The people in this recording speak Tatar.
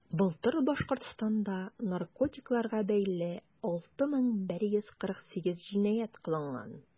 Былтыр Башкортстанда наркотикларга бәйле 6148 җинаять кылынган.